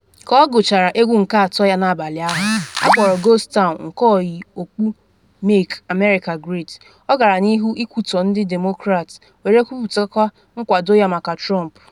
Ka ọ gụchara egwu nke atọ ya n’abalị ahụ, akpọrọ Ghost Town nke oyi okpu Make America Great, ọ gara n’ihu ikwutọ ndị Demokrat were kwuputakwa nkwado ya maka Trump.